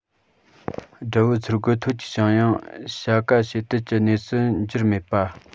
དགྲ བོའི ཚུར རྒོལ ཐོལ གྱིས བྱུང ཡང བྱ དཀའ བྱེད གཏད ཀྱི གནས སུ གྱུར མེད པ